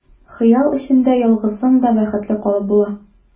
Хыял эчендә ялгызың да бәхетле калып була.